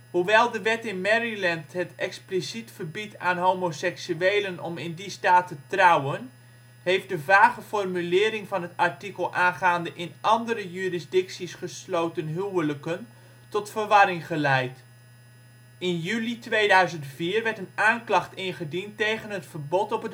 Hoewel de wet in Maryland het expliciet verbiedt aan homoseksuelen om in die staat te trouwen, heeft de vage formulering van het artikel aangaande in andere jurisdicties gesloten huwelijken tot verwarring geleid. In juli 2004 werd een aanklacht ingediend tegen het verbod op